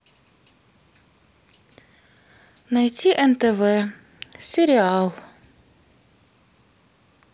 найти нтв сериал